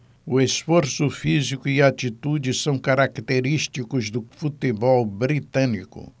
o esforço físico e a atitude são característicos do futebol britânico